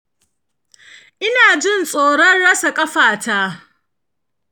ina jin tsoron rasa ƙafata.